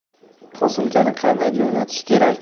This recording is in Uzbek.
posilkani qanday jo'natish kerak